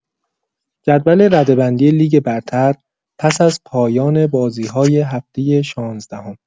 جدول رده‌بندی لیگ برتر پس از پایان بازی‌های هفته شانزدهم